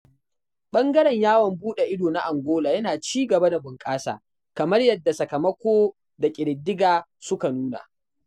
Ɓangaren yawon buɗe ido na Angola yana ci gaba da bunƙasa, kamar yadda sakamako da ƙididdiga suka nuna.